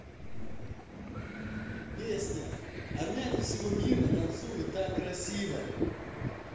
песня армяне всего мира танцуют так красиво